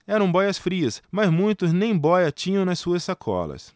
eram bóias-frias mas muitos nem bóia tinham nas suas sacolas